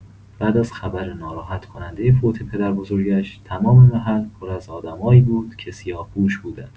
بعد از خبر ناراحت‌کننده فوت پدربزرگش، تمام محل پر از آدمایی بود که سیاه‌پوش بودن.